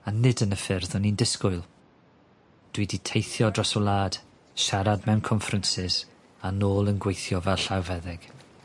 A nid yn y ffyrdd o'n i'n disgwyl. Dwi 'di teithio dros fy wlad siarad mewn conferences a nôl yn gweithio fel llawfeddyg.